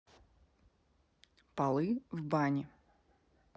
полы в бани